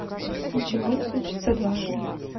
ничего не случится дважды